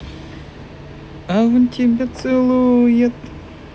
а он тебя целует